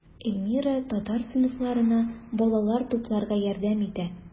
Эльмира татар сыйныфларына балалар тупларга ярдәм итә.